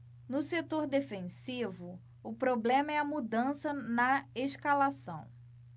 no setor defensivo o problema é a mudança na escalação